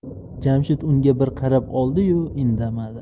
jamshid unga bir qarab oldi yu indamadi